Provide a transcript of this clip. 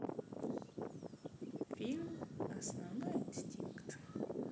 фильм основной инстинкт